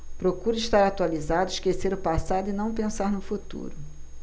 procuro estar atualizado esquecer o passado e não pensar no futuro